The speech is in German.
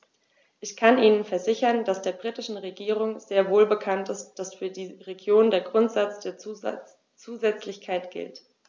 Ich kann Ihnen versichern, dass der britischen Regierung sehr wohl bekannt ist, dass für die Regionen der Grundsatz der Zusätzlichkeit gilt.